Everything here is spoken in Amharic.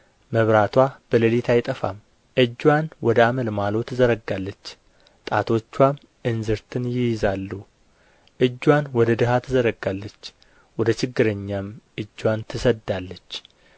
መብራትዋ በሌሊት አይጠፋም እጅዋን ወደ አመልማሎ ትዘረጋለች ጣቶችዋም እንዝርትን ይይዛሉ እጅዋን ወደ ድሀ ትዘረጋለች ወደ ችግረኛም እጅዋን ትሰድዳለች